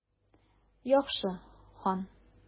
Яхшы, хан.